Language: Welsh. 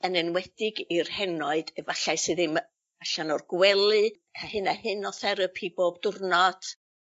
Yn enwedig i'r henoed efallai sy ddim yy allan o'r gwely a hyn a hyn o therapi bob diwrnod.